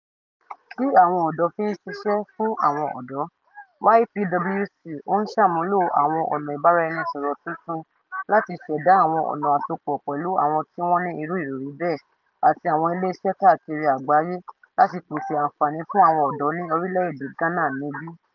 Tí àwọn ọ̀dọ́ fí ń ṣiṣẹ́, fún àwọn ọ̀dọ́, YPWC ń sàmúlò àwọn ọ̀nà ìbáraẹnisọ̀rọ̀ tuntun láti ṣẹ̀dá àwọn ọ̀nà àsopọ̀ pẹ̀lú àwọn tí wọ́n ní irú ìròrí bẹ́ẹ̀ àti àwọn ilé iṣẹ́ káàkiri àgbáyé láti pèsè àǹfààní fún àwọn ọ̀dọ́ ní orílẹ̀ èdè Ghana níbí.